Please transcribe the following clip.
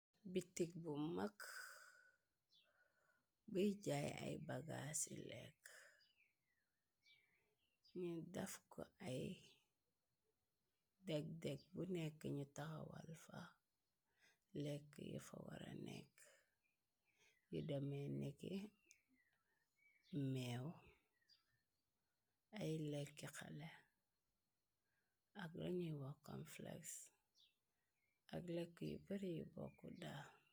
Bitik bu mag, buy jaay ay bagaas ci lekk, nyu daf ko ay dek dek bu nekk ñu taxawal fa lekk yafa wara nekk, yu demee nekke meew, ay lekki xale, ak lu ñu wax konfeles, ak lekk yu bari yu bokku daal,